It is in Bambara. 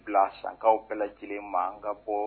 Bila sankaw bɛɛ lajɛlen man an ka bɔ